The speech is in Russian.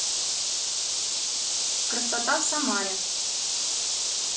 красота в самаре